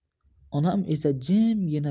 onam esa jimgina